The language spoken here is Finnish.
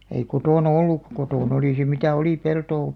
ei kotona ollut kotona oli se mitä oli peltoa